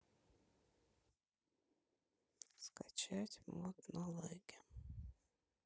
скачать мод на леги